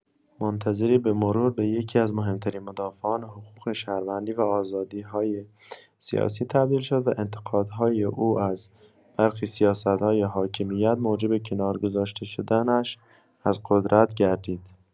منتظری به‌مرور به یکی‌از مهم‌ترین مدافعان حقوق شهروندی و آزادی‌های سیاسی تبدیل شد و انتقادهای او از برخی سیاست‌های حاکمیت، موجب کنار گذاشته شدنش از قدرت گردید.